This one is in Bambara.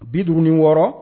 Bid wɔɔrɔ